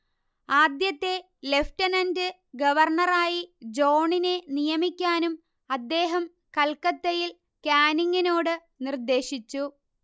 ആദ്യത്തെ ലെഫ്റ്റനന്റ് ഗവർണറായി ജോണിനെ നിയമിക്കാനും അദ്ദേഹം കൽക്കത്തയിൽ കാനിങ്ങിനോട് നിർദ്ദേശിച്ചു